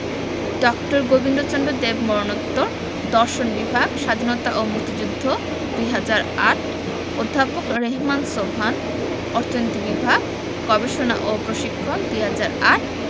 ড. গোবিন্দচন্দ্র দেব মরনোত্তর দর্শন বিভাগ স্বাধীনতা ও মুক্তিযুদ্ধ ২০০৮ অধ্যাপক রেহমান সোবহান অর্থনীতি বিভাগ গবেষণা ও প্রশিক্ষণ ২০০৮